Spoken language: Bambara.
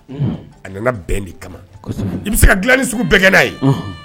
A nana bɛn de kama i bɛ se ka dilain sugu bɛɛgɛnna ye